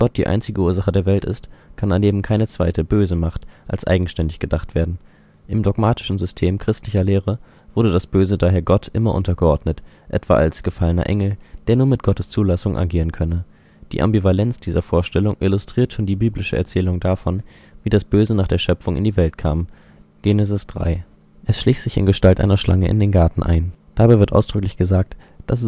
die einzige Ursache der Welt ist, kann daneben keine zweite (böse) Macht als eigenständig gedacht werden. Im dogmatischen System christlicher Lehre wurde das Böse daher Gott immer untergeordnet (etwa als gefallener Engel, der nur mit Gottes Zulassung agieren könne). Die Ambivalenz dieser Vorstellung illustriert schon die biblische Erzählung davon, wie das Böse nach der Schöpfung in die Welt kam (Gen 3): Es schlich sich in Gestalt einer Schlange in den Garten ein. Dabei wird ausdrücklich gesagt, dass